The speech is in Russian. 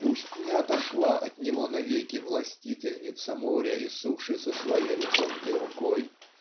Пусть не отошла от него навеки Властительница моря и суши со своею тонкой рукой